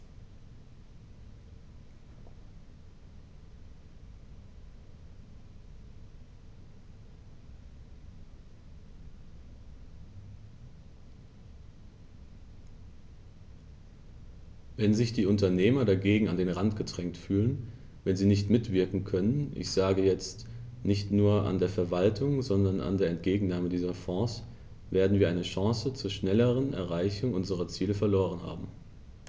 Wenn sich die Unternehmer dagegen an den Rand gedrängt fühlen, wenn sie nicht mitwirken können ich sage jetzt, nicht nur an der Verwaltung, sondern an der Entgegennahme dieser Fonds , werden wir eine Chance zur schnelleren Erreichung unserer Ziele verloren haben.